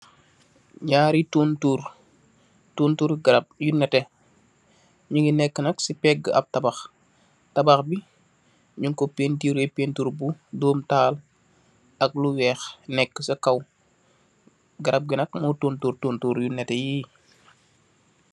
Njaari tohntorre, tohntorre garab yu nehteh njungy neka nak cii pehgu ahb tabakh, tabakh bii njung kor peintureh peintur bu dormu taal ak lu wekh neku cii kaw, garab gui nak mor tohntorr tohntorre yu nehteh yii.